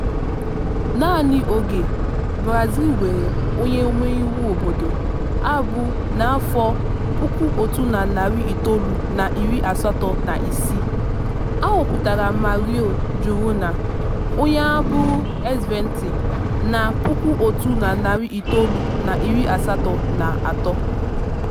Naanị oge Brazil nwere onye omeiwu obodo ha bụ n'afọ 1986 — a họpụtara Mario Juruna, onye agbụrụ Xavante, na 1983.